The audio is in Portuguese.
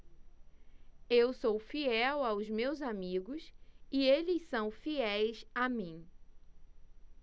eu sou fiel aos meus amigos e eles são fiéis a mim